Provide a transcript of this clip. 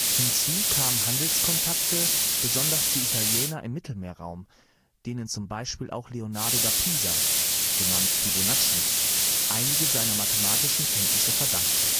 hinzu kamen Handelskontakte besonders der Italiener im Mittelmeerraum, denen zum Beispiel auch Leonardo da Pisa („ Fibonacci “) einige seiner mathematischen Kenntnisse verdankte